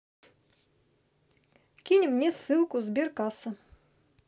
кинь мне ссылку сберкасса